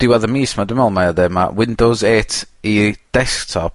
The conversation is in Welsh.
diwadd y mis 'ma dwi me'wl mae o 'de, ma' Windows eight i desktop